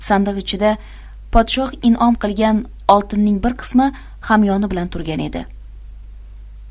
sandiq ichida podshoh in'om qilgan oltinning bir qismi hamyoni bilan turgan edi